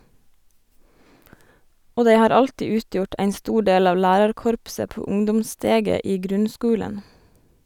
Og dei har alltid utgjort ein stor del av lærarkorpset på ungdomssteget i grunnskulen.